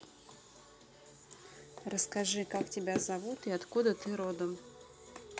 расскажи как тебя зовут и откуда ты родом